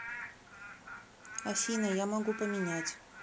афина я могу поменять